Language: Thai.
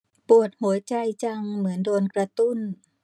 ปวดหัวใจจังเหมือนโดนกระตุ้น